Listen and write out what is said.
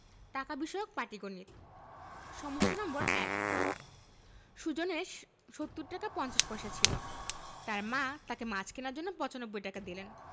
টাকা বিষয়ক পাটিগনিতঃ সমস্যা নম্বর ১ সুজনের ৭০ টাকা ৫০ পয়সা ছিল তার মা তাকে মাছ কেনার জন্য ৯৫ টাকা দিলেন